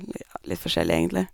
li Ja, litt forskjellig, egentlig.